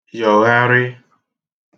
yọ̀gharị